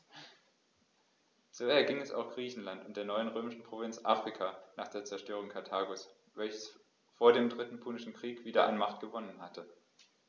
So erging es auch Griechenland und der neuen römischen Provinz Afrika nach der Zerstörung Karthagos, welches vor dem Dritten Punischen Krieg wieder an Macht gewonnen hatte.